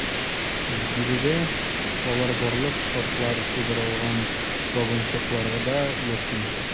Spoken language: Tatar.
Биредә алар барлык шартлар тудырылган вагончыкларда яши.